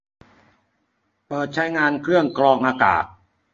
เปิดใช้งานเครื่องกรองอากาศ